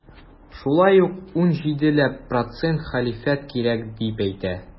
Шулай ук 17 ләп процент хәлифәт кирәк дип әйтә.